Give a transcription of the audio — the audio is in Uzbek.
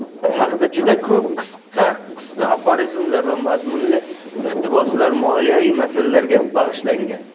hayot haqidagi juda ko'p qisqa qisqa aforizmlar va mazmunli iqtiboslar moliyaviy masalalarga bag'ishlangan